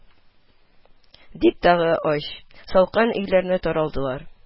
– дип, тагы ач, салкын өйләренә таралдылар